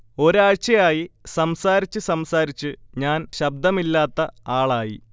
ഒരാഴ്ചയായി സംസാരിച്ച് സംസാരിച്ച് ഞാൻ ശബ്ദമില്ലാത്ത ആളായി